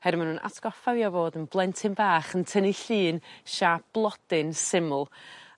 herwy ma' nw'n atgoffa fi o fod yn blentyn bach yn tynnu llun siâp blodyn syml.